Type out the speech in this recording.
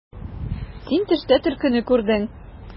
Син төштә төлкене күрдең.